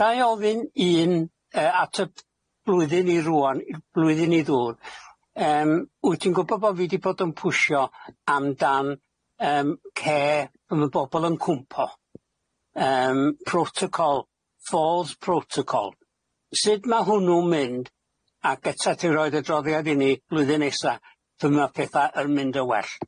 Ga i ofyn un yy at y blwyddyn i rŵan, blwyddyn i ddod yym wyt ti'n gwbod bo fi 'di bod yn pwshio amdan yym cê p'm 'ma bobol yn cwmpo yym protocol, fôls protocol, sud ma' hwnnw'n mynd ac eta ti roid adroddiad i ni blwyddyn nesa dyma petha yn mynd yn well.